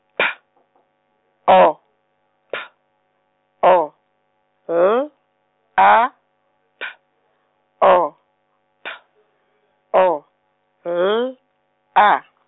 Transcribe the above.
P O P O L A P O P O L A .